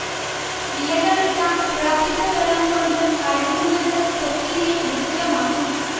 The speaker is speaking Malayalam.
ഇലകളിട്ട തിളപ്പിച്ച വെള്ളം കൊണ്ടു കഴുകുന്നത് ത്വക്കിനെ മൃദുലമാക്കും